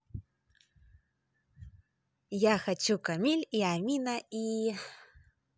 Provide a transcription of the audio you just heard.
я хочу камиль и амина и